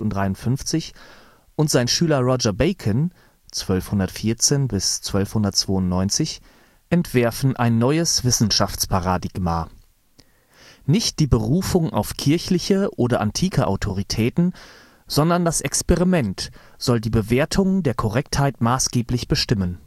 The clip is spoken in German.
1253) und sein Schüler Roger Bacon (1214 – 1292) entwerfen ein neues Wissenschaftsparadigma. Nicht die Berufung auf kirchliche oder antike Autoritäten, sondern das Experiment soll die Bewertung der Korrektheit maßgeblich bestimmen